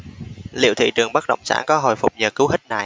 liệu thị trường bất động sản có hồi phục nhờ cú hích này